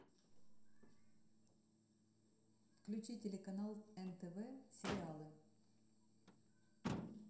включи телеканал нтв сериалы